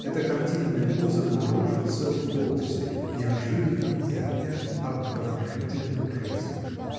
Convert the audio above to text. эта картинная поза нарушится вовсе неожиданным и опять обворожительным жестом.